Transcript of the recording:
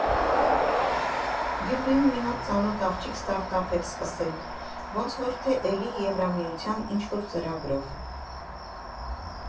Գյումրիում մի հատ ծանոթ աղջիկ ստարտափ էր սկսել, ոնց որ թե էլի Եվրամիության ինչ֊որ ծրագրով։